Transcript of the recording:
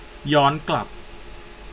ย้อนกลับ